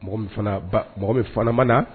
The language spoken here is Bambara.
Mɔgɔ min fana mana na